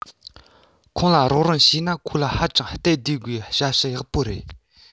ཁོང ལ རོགས རམ བྱས ནས ཁོ ལ ཧ ཅང སྟབས བདེ སྒོས ཞབས ཞུ ཡག པོ རེད